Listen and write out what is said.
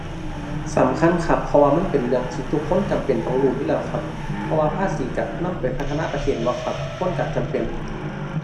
สำคัญครับ เพราะว่ามันเป็นเรื่องที่ทุกคนจำเป็นต้องรู้อยู่แล้วครับ เพราะว่าภาษีก็นำไปพัฒนาประเทศแม่นบ่ครับ ทุกคนก็จำเป็น